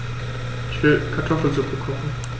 Ich will Kartoffelsuppe kochen.